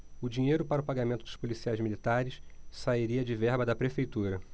o dinheiro para pagamento dos policiais militares sairia de verba da prefeitura